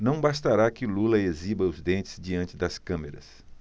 não bastará que lula exiba os dentes diante das câmeras